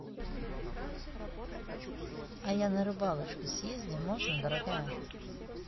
а я на рыбалочку съезди можно дорогая